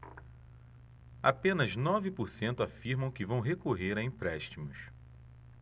apenas nove por cento afirmam que vão recorrer a empréstimos